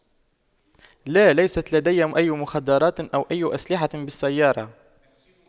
لا ليست لدي أي مخدرات أو أي أسلحة بالسيارة